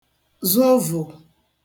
zụvụ̀